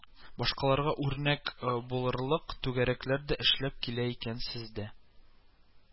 Башкаларга үрнәк булырлык түгәрәкләр дә эшләп килә икән сездә